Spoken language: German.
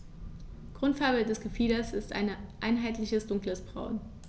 Grundfarbe des Gefieders ist ein einheitliches dunkles Braun.